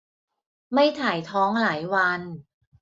ไม่ถ่ายท้องหลายวัน